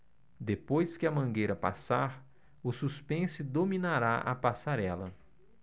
depois que a mangueira passar o suspense dominará a passarela